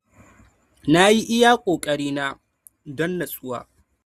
Nayi iya kokarina don natsuwa.”